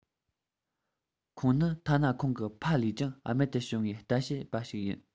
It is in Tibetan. ཁོང ནི ཐ ན ཁོང གི ཕ ལས ཀྱང རྨད དུ བྱུང བའི ལྟ དཔྱད པ ཞིག ཡིན